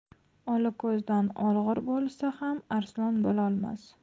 ola ko'zdan olg'ir bo'lsa ham arslon bo'lolmas